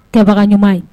Tɛbaga ɲuman ye